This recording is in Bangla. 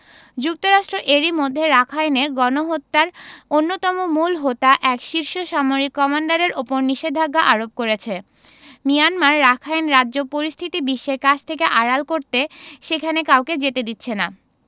যুক্তরাষ্ট্র এরই মধ্যে রাখাইনে গণহত্যার অন্যতম মূল হোতা এক শীর্ষ সামরিক কমান্ডারের ওপর নিষেধাজ্ঞা আরোপ করেছে মিয়ানমার রাখাইন রাজ্য পরিস্থিতি বিশ্বের কাছ থেকে আড়াল করতে সেখানে কাউকে যেতে দিচ্ছে না